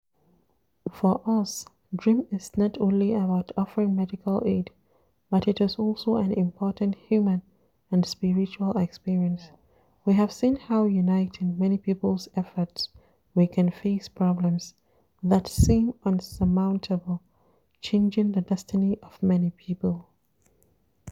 PG: For us DREAM is not only about offering medical aid but it is also an important human and spiritual experience: we have seen how uniting many people's efforts we can face problems that seem insurmountable, changing the destiny of many people.